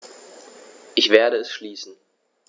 Ich werde es schließen.